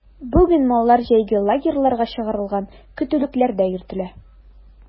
Бүген маллар җәйге лагерьларга чыгарылган, көтүлекләрдә йөртелә.